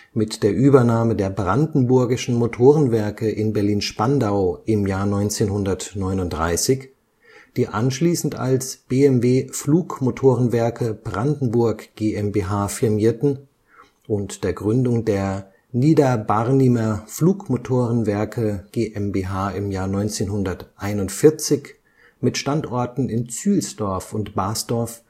Mit der Übernahme der Brandenburgischen Motorenwerke in Berlin-Spandau im Jahr 1939, die anschließend als BMW Flugmotorenwerke Brandenburg GmbH firmierten und der Gründung der Niederbarnimer Flugmotorenwerke GmbH im Jahr 1941 mit Standorten in Zühlsdorf und Basdorf